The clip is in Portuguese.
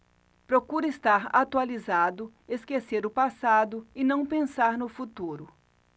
procuro estar atualizado esquecer o passado e não pensar no futuro